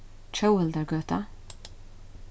tjóðhildargøta